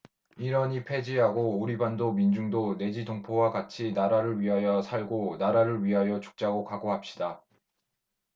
일언이폐지하고 우리 반도 민중도 내지 동포와 같이 나라를 위하여 살고 나라를 위하여 죽자고 각오합시다